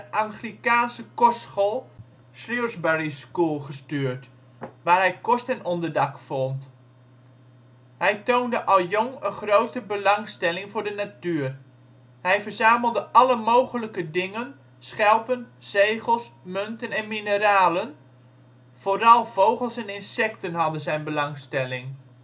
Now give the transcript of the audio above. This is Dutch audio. Anglicaanse kostschool Shrewsbury School gestuurd, waar hij kost en onderdak vond. Hij toonde al jong een grote belangstelling voor de natuur. Hij verzamelde " alle mogelijke dingen, schelpen, zegels, munten en mineralen ". Vooral vogels en insecten hadden zijn belangstelling